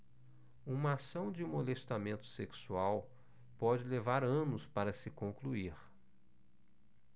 uma ação de molestamento sexual pode levar anos para se concluir